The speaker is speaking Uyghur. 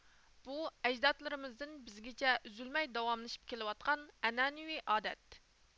بۇ ئەجدادلىرىمىزدىن بىزگىچە ئۈزۈلمەي داۋاملىشىپ كېلىۋاتقان ئەنئەنىۋى ئادەت